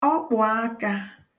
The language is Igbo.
ọkpụ̀akā